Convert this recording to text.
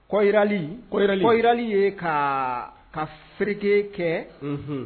Kɔli kɔli ye ka ka feereke kɛ